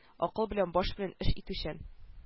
Акыл белән баш белән эш итүчән